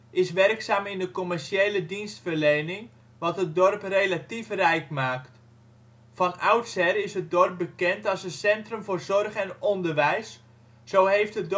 is werkzaam in de commerciële dienstverlening wat het dorp ' relatief rijk ' maakt. Van oudsher is het dorp bekend als een centrum voor zorg en onderwijs, zo heeft het